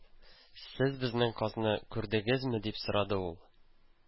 "сез безнең казны күрдегезме" дип сорады ул